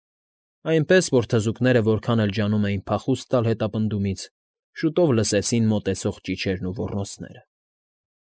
Այնպես որ թզուկները որքան էլ ջանում էին փախուստ տալ հետապնդումից, շուտով լսեցին մոտեցող ճիչերն ու ոռնոցները։